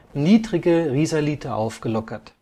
niedrige Risalite aufgelockert